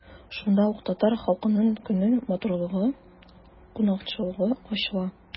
Шунда ук татар халкының күңел матурлыгы, кунакчыллыгы ачыла.